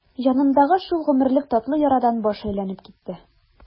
Җанымдагы шул гомерлек татлы ярадан баш әйләнеп китте.